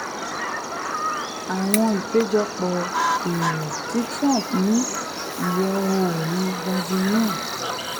Àwọn ìpéjọpọ̀ èrò ti Trump ní Ìwọ-oòrùn Virginia